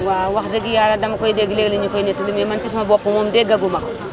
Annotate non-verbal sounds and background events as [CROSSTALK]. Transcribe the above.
waaw wax dëgg yàlla dama koy déglu léeg-léeg ñu koy nettali [CROSSTALK] mais man ci sama bopp moo dégg a gu ma ko